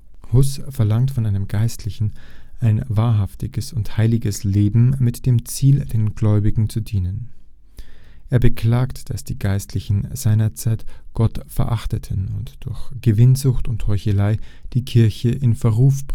Hus verlangt von einem Geistlichen ein wahrhaftiges und heiliges Leben mit dem Ziel, den Gläubigen zu dienen. Er beklagt, dass die Geistlichen seiner Zeit Gott verachteten und durch Gewinnsucht und Heuchelei die Kirche in Verruf